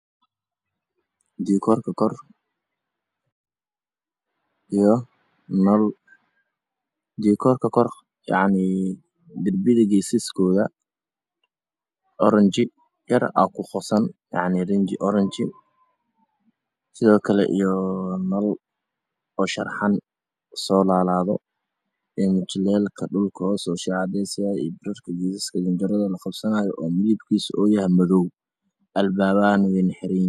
Darbiga geesaskiisa orange yar ayaa ku qasan iyo nal sharaxan oo soo laalaado albaabahana way xiran yihiin